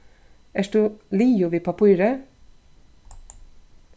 ert tú liðug við pappírið